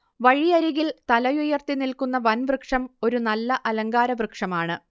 വഴിയരികിൽ തലയുയർത്തി നിൽക്കുന്ന വൻവൃക്ഷം ഒരു നല്ല അലങ്കാരവൃക്ഷമാണ്